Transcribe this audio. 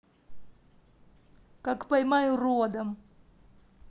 как поймай уродам